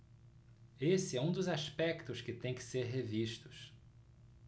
esse é um dos aspectos que têm que ser revistos